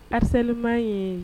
Harcellent ye